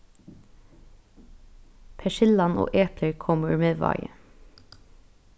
persillan og eplir komu úr miðvági